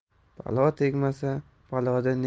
balo tegmasa baloda